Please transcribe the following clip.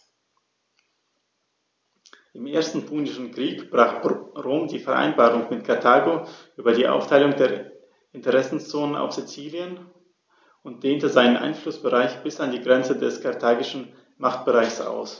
Im Ersten Punischen Krieg brach Rom die Vereinbarung mit Karthago über die Aufteilung der Interessenzonen auf Sizilien und dehnte seinen Einflussbereich bis an die Grenze des karthagischen Machtbereichs aus.